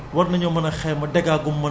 ndax ci xayma